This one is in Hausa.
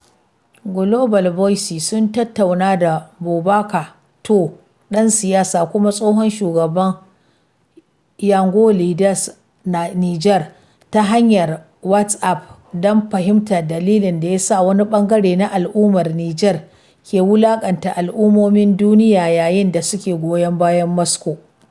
Global Voices sun tattauna da Boubacar Touré, ɗan siyasa kuma tsohon shugaban Young Leaders of Niger, ta hanyar WhatsApp don fahimtar dalilin da yasa wani ɓangare na al’ummar Nijar ke wulaƙanta al’ummomin duniya yayin da suke goyon bayan Moscow.